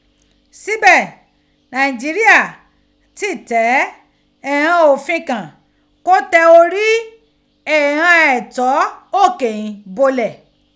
Síbẹ̀, Nàìjíríà tí tẹ ighan òfin kan kó tẹ orí ighan ẹ̀tọ́ òkè ghin bọlẹ̀.